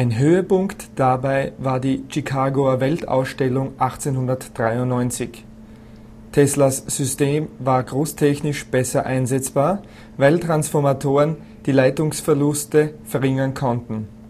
Höhepunkt dabei war die Chikagoer Weltausstellung 1893. Teslas System war großtechnisch besser einsetzbar, weil Transformatoren die Leitungsverluste verringern konnten